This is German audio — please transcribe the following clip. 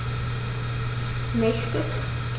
Nächstes.